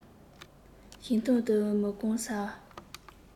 ཞིང ཐང དང མུ གང སར